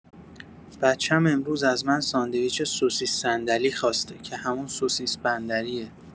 بچم امروز از من ساندویچ سوسیس صندلی خواسته که همون سوسیس بندریه